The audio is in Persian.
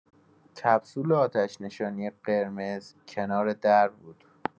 کپسول آتش‌نشانی قرمز کنار در بود.